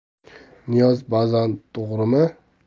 niyoz bazan to'g'rimi